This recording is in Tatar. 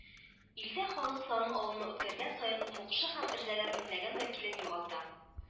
Илдә халык санын алуны үткәргән саен мукшы һәм эрзәләр меңләгән вәкилен югалта